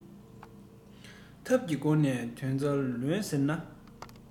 ཐབས ཀྱི སྒོ ནས དོན རྩ ལོན ཟེར ན